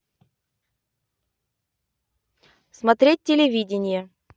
смотреть телевидение